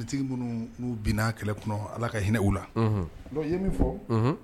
Finiitigi minnu n'u bin na kɛlɛ kɔnɔ allah ka hinɛ u la. donc n ye min fɔ